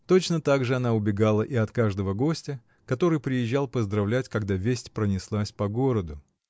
Точно так же она убегала и от каждого гостя, который приезжал поздравлять, когда весть пронеслась по городу.